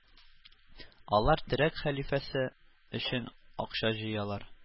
Алар төрек хәлифәсе өчен акча җыялар